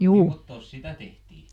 kummottoon sitä tehtiin